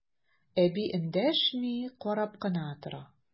Әби эндәшми, карап кына тора.